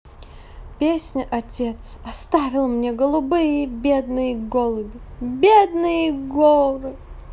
песня отец оставил мне голубые бедные голуби бедные горы